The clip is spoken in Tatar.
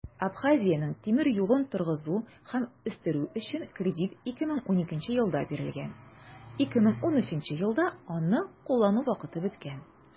Абхазиянең тимер юлын торгызу һәм үстерү өчен кредит 2012 елда бирелгән, 2013 елда аны куллану вакыты беткән.